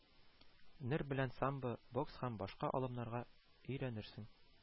Нер белән самбо, бокс һәм башка алымнарга өйрәнерсең